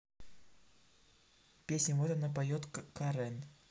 песня вот она поет карен